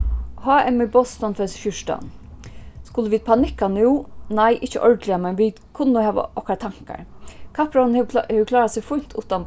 hm í boston tvey túsund og fjúrtan skulu vit panikka nú nei ikki ordiliga men vit kunnu hava okkara tankar kappróðurin hevur hevur klárað seg fínt uttan